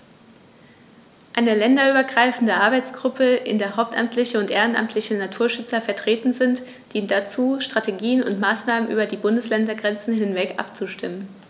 Eine länderübergreifende Arbeitsgruppe, in der hauptamtliche und ehrenamtliche Naturschützer vertreten sind, dient dazu, Strategien und Maßnahmen über die Bundesländergrenzen hinweg abzustimmen.